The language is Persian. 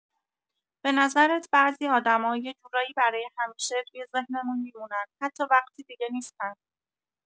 به نظرت بعضی آدما یه‌جورایی برای همیشه توی ذهنمون می‌مونن، حتی وقتی دیگه نیستن؟